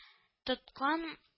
Тоткан